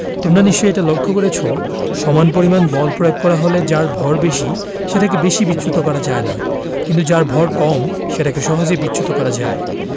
তোমরা নিশ্চয়ই এটা লক্ষ করেছ সমান পরিমাণ বল প্রয়োগ করা হলে যার ভর বেশি সেটাকে বেশি বিচ্যুত করা যায় না কিন্তু যার ভয় কম সেটাকে সহজে বিচ্যুত করা যায়